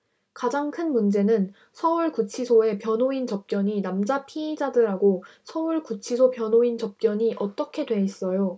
가장 큰 문제는 서울 구치소에 변호인 접견이 남자 피의자들하고 서울 구치소 변호인 접견이 어떻게 돼 있어요